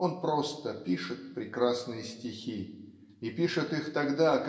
он просто пишет прекрасные стихи. И пишет их тогда